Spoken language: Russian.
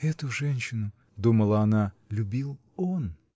"Эту женщину, -- думала она, -- любил он".